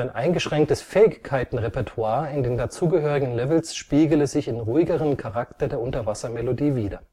eingeschränktes Fähigkeitenrepertoire in den dazugehörigen Levels spiegele sich im ruhigeren Charakter der Unterwasser-Melodie wider